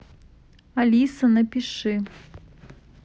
алиса напиши